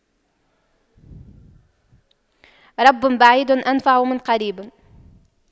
رب بعيد أنفع من قريب